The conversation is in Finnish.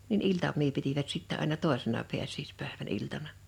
niin iltamia pitivät sitten aina toisena pääsiäispäivän iltana